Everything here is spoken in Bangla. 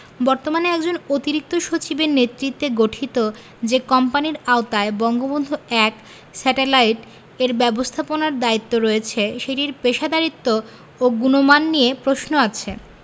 বর্তমানে একজন অতিরিক্ত সচিবের নেতৃত্বে গঠিত যে কোম্পানির আওতায় বঙ্গবন্ধু ১ স্যাটেলাইট এর ব্যবস্থাপনার দায়িত্ব রয়েছে সেটির পেশাদারিত্ব ও গুণমান নিয়ে প্রশ্ন আছে